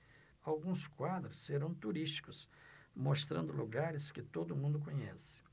alguns quadros serão turísticos mostrando lugares que todo mundo conhece